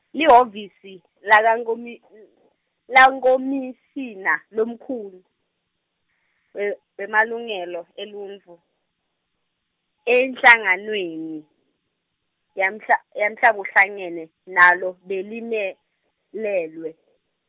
lihhovisi, lakaKhomi- l-, langKhomishina-, lomkhulu , we wemalungelo eluntfu, enhlanganweni, yamhla- yamhlabuhlangene nalo, belimelelwe.